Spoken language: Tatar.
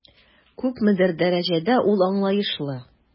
Күпмедер дәрәҗәдә ул аңлаешлы.